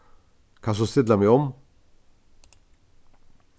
kanst tú stilla meg um